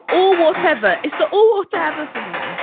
"Or whatever." It's the or whatever for me.